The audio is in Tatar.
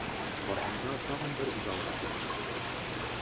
Барганда тагын бер залга килеп чыктык.